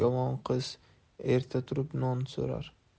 yomon qiz erta turib non so'rar